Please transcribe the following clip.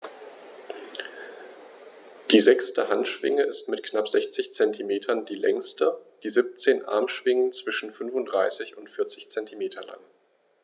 Die sechste Handschwinge ist mit knapp 60 cm die längste. Die 17 Armschwingen sind zwischen 35 und 40 cm lang.